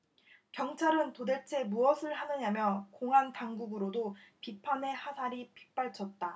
경찰은 도대체 무엇을 하느냐며 공안당국으로도 비판의 화살이 빗발쳤다